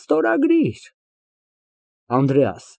Ստորագրիր։ ԱՆԴՐԵԱՍ ֊